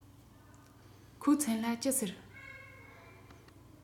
ཁོའི མཚན ལ ཅི ཟེར